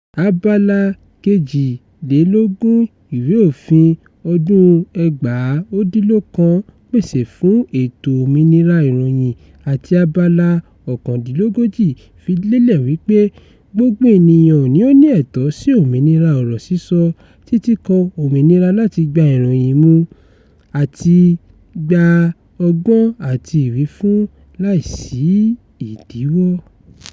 Abala 22 ìwé òfin ọdún 1999 pèsè fún ẹ̀tọ́ òmìnira ìròyìn àti Abala 39 fi lélẹ̀ wípé "gbogbo ènìyàn ni ó ní ẹ̀tọ́ sí òmìnira ọ̀rọ̀ sísọ, títí kan òmìnira láti gbá ìròyìn mú àti gba ọgbọ́n àti ìwífun láì sí ìdíwọ́..."